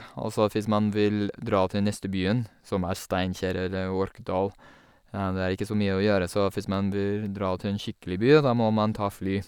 Og så hvis man vil dra til neste byen, som er Steinkjer eller Orkdal, ja, det er ikke så mye å gjøre, så hvis man vil dra til en skikkelig by, da må man ta fly.